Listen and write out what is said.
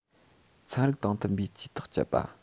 ཚན རིག དང མཐུན པའི ཇུས ཐག བཅད པ